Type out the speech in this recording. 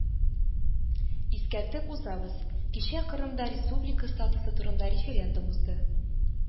Искәртеп узабыз, кичә Кырымда республика статусы турында референдум узды